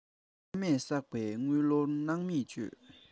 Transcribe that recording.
ཕ མས བསགས པའི དངུལ ལོར སྣང མེད སྤྱོད